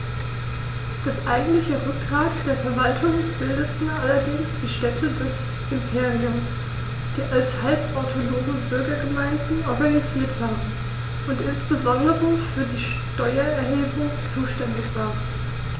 Das eigentliche Rückgrat der Verwaltung bildeten allerdings die Städte des Imperiums, die als halbautonome Bürgergemeinden organisiert waren und insbesondere für die Steuererhebung zuständig waren.